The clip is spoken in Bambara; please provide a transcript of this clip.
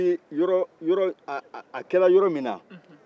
epi yɔrɔ yɔrɔ a kɛra yɔrɔ min na